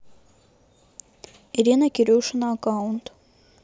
ирина кирюшина аккаунт